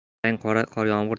qarang qor yomg'ir